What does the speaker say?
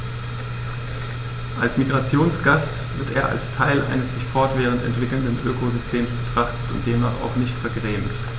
Als Migrationsgast wird er als Teil eines sich fortwährend entwickelnden Ökosystems betrachtet und demnach auch nicht vergrämt.